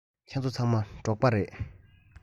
ཁྱེད ཚོ ཚང མ འབྲོག པ རེད